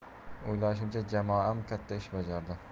o'ylashimcha jamoam katta ish bajardi